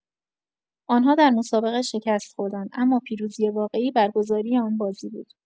آنها در آن مسابقه شکست خوردند، اما پیروزی واقعی، برگزاری آن بازی بود.